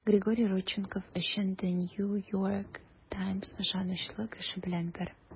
Григорий Родченков өчен The New York Times ышанычлы кеше белән бер.